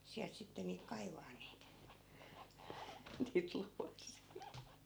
sieltä sitten niitä kaivamaan niitä niitä luoteja